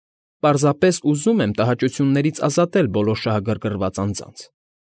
Պարզապես փորձում են տհաճություններից ազատել բոլոր շահագրգռված անձնաց։